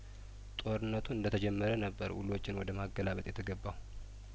ጦርነቱ እንደተጀመረ ነበርውሎችን ወደ ማገላበጥ የተገባው